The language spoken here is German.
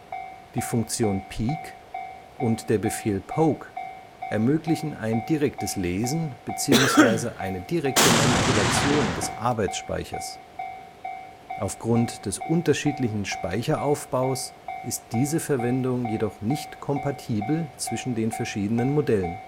Die Funktion PEEK und der Befehl POKE ermöglichen ein direktes Lesen beziehungsweise eine direkte Manipulation des Arbeitsspeichers; aufgrund des unterschiedlichen Speicheraufbaus ist diese Verwendung jedoch nicht kompatibel zwischen den verschiedenen Modellen